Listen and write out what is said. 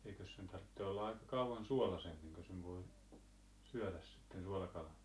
eikös sen tarvitse olla aika kauan suolassa ennen kuin sen voi syödä sitten suolakalan